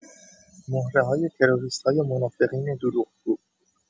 مهره‌های تروریست‌های منافقین دروغگو